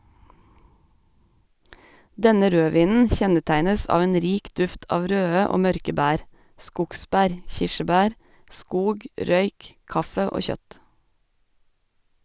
Denne rødvinen kjennetegnes av en rik duft av røde og mørke bær, skogsbær , kirsebær, skog, røyk, kaffe og kjøtt.